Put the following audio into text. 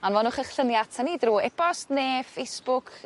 Anfonwch 'ych llynia ata ni drw e-bost ne' Facebook